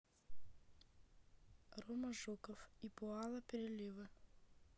рома жуков и паола переливы